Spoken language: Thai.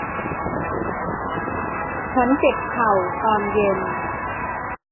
ฉันเจ็บเข่าตอนเย็น